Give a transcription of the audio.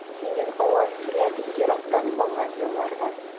Синең аваз килә бик еракта калган еллардан.